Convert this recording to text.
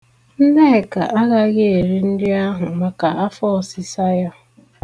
Nneka agaghị eri nri ahụ maka afọọsịsa ya.